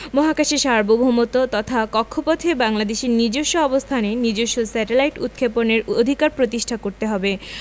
মহাকাশের সার্বভৌমত্ব তথা কক্ষপথে বাংলাদেশের নিজস্ব অবস্থানে নিজস্ব স্যাটেলাইট উৎক্ষেপণের অধিকার প্রতিষ্ঠা করতে হবে